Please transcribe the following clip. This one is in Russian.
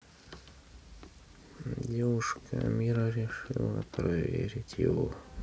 девушка амира решила проверить его